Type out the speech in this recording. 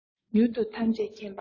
མྱུར དུ ཐམས ཅད མཁྱེན པར འགྲོ